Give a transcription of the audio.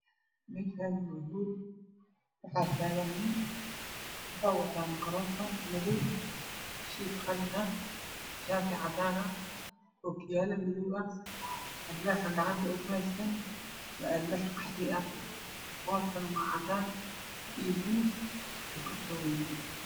Mashan wax tagan nin gacant waxow kuhayan magarofan dhar kalar kisi waa qalin iyo cadan waxow wataa okiyalo